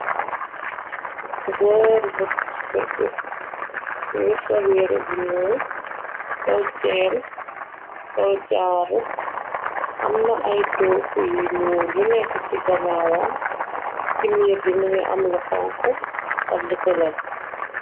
Goore bu sëge ngi solyere bu ñyuul sol cheen soljaaru amna ay tooku yi ñuur yu nekk ci ganaawam ci miir bi mënga am lu xonxu àk lu bula.